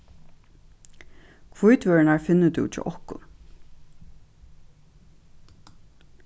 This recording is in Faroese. hvítvørurnar finnur tú hjá okkum